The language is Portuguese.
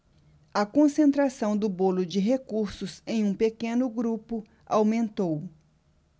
a concentração do bolo de recursos em um pequeno grupo aumentou